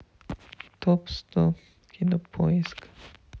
топ сто кинопоиска